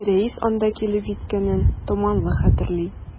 Рәис анда килеп җиткәнен томанлы хәтерли.